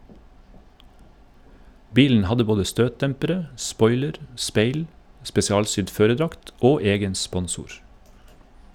Bilen hadde både støtdempere, spoiler, speil, spesialsydd førerdrakt og egen sponsor.